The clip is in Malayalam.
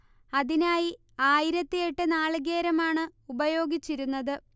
അതിനായി ആയിരത്തിയെട്ട് നാളികേരമാണ് ഉപയോഗിച്ചിരുന്നത്